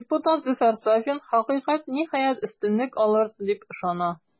Депутат Зөфәр Сафин, хакыйкать, ниһаять, өстенлек алыр, дип ышана.